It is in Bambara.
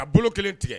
A bolo kelen tigɛ